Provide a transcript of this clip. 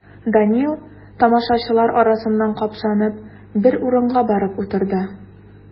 Данил, тамашачылар арасыннан капшанып, бер урынга барып утырды.